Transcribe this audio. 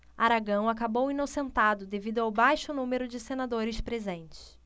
aragão acabou inocentado devido ao baixo número de senadores presentes